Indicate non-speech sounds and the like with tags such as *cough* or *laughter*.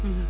*hesitation* *hesitation*